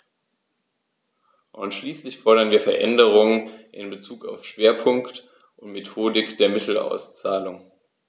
Und schließlich fordern wir Veränderungen in bezug auf Schwerpunkt und Methodik der Mittelauszahlung.